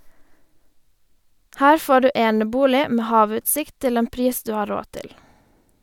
Her får du enebolig med havutsikt til en pris du har råd til.